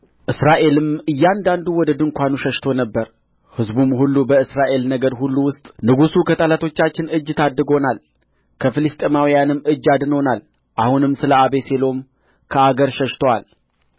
እስራኤልም እያንዳንዱ ወደ ድንኳኑ ሸሽቶ ነበር ሕዝቡም ሁሉ በእስራኤል ነገድ ሁሉ ውስጥ ንጉሡ ከጠላቶቻችን እጅ ታድጎናል ከፍልስጥኤማውያንም እጅ አድኖናል አሁንም ስለ አቤሴሎም ከአገር ሸሽቶአል